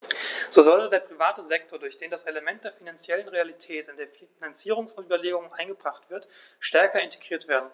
So sollte der private Sektor, durch den das Element der finanziellen Realität in die Finanzierungsüberlegungen eingebracht wird, stärker integriert werden.